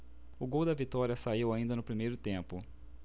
o gol da vitória saiu ainda no primeiro tempo